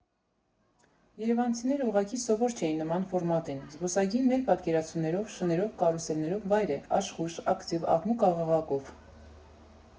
Երևանցիները ուղղակի սովոր չէին նման ֆորմատին, զբոսայգին մեր պատկերացումներով շներով, կարուսելներով վայր է, աշխույժ, ակտիվ, աղմուկ֊աղաղակով։